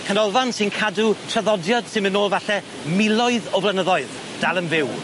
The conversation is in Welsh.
Canolfan sy'n cadw traddodiad sy'n myn' nôl falle miloedd o flynyddoedd dal yn fyw.